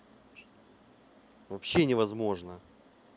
вообще невозможно